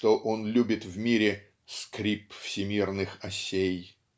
что он любит в мире "скрип всемирных осей"